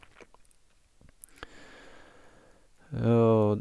Og...